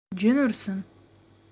jin ursin